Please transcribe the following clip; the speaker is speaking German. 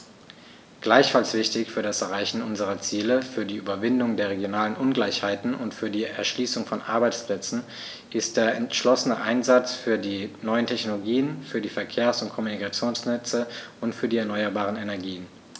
Gleichfalls wichtig für das Erreichen unserer Ziele, für die Überwindung der regionalen Ungleichheiten und für die Erschließung von Arbeitsplätzen ist der entschlossene Einsatz für die neuen Technologien, für die Verkehrs- und Kommunikationsnetze und für die erneuerbaren Energien.